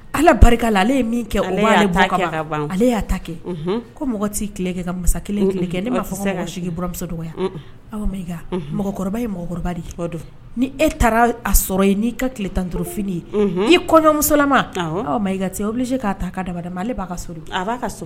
Kɛ ka masa kelen kɛ ne b'a fɔ ka sigimuso dɔgɔ awkɔrɔba mɔgɔkɔrɔba ni e taara a sɔrɔ yen n'i ka tile tan duuruuruf ye i kɔɲɔmusolama aw ma i kabili k' ta ka dabaden ma ale b'a ka